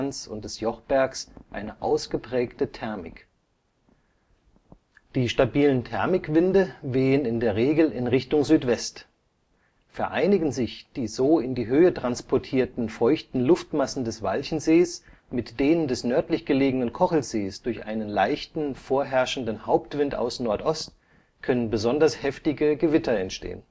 Südhängen des Herzogstands und des Jochbergs eine ausgeprägte Thermik. Die stabilen Thermikwinde wehen in der Regel in Richtung Südwest. Vereinigen sich die so in die Höhe transportierten feuchten Luftmassen des Walchensees mit denen des nördlich gelegenen Kochelsees durch einen leichten, vorherrschenden Hauptwind aus Nordost, können besonders heftige Gewitter entstehen